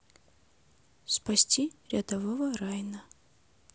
спасти рядового райна